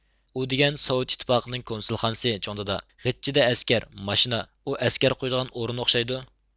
ئۇ دېگەن سوۋېت ئىتتىپاقىنىڭ كونسۇلخانىسى چوڭ دادا غىچچىدە ئەسكەر ماشىنا ئۇ ئەسكەر قويىدىغان ئورۇن ئوخشايدۇ